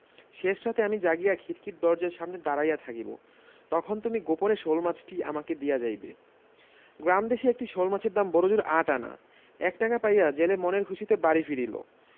শেষ রাতে আমি জাগিয়া খিড়কির দরজার সামনে দাঁড়াইয়া থাকিব তখন তুমি গোপনে শোলমাছটি আমাকে দিয়া যাইবে গ্রামদেশে একটি শোলমাছের দাম বড়জোর আট আনা এক টাকা পাইয়া জেলে মনের খুশীতে বাড়ি ফিরিল